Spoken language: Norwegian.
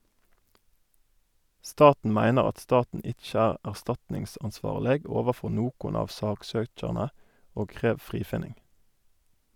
Staten meiner at staten ikkje er erstatningsansvarleg overfor nokon av saksøkjarane og krev frifinning.